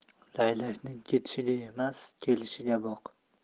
laylakning ketishiga emas kelishiga boq